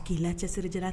Ki la cɛsirijala